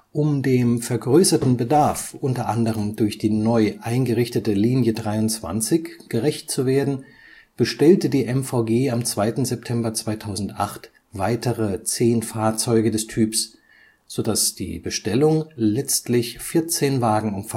Um dem vergrößerten Bedarf, unter anderem durch die neu eingerichtete Linie 23, gerecht zu werden, bestellte die MVG am 2. September 2008 weitere zehn Fahrzeuge des Typs, so dass die Bestellung letztlich 14 Wagen